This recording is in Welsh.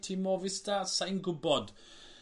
tîm Movistar? Sai'n gwbod.